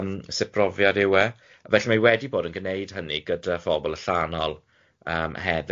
yym sut profiad yw e. Felly, mae wedi bod yn gneud hynny gyda phobl allanol yym hefyd.